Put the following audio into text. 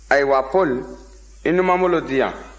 ayiwa paul i numanbolo di yan